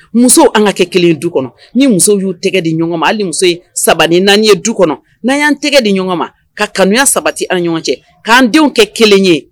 Musow an ka kɛ kelen du kɔnɔ ni muso y'u tɛgɛ di ɲɔgɔn ma hali muso ye saba ni naani du kɔnɔ'anan tɛgɛ di ɲɔgɔn ma ka kanuya sabati an ɲɔgɔn cɛ k'an denw kɛ kelen ye